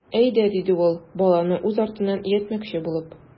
Әйдә,— диде ул, баланы үз артыннан ияртмөкче булып.